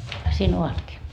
siinä ovatkin